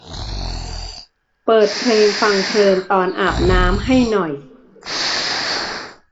เปิดเพลงฟังเพลินตอนอาบน้ำให้หน่อย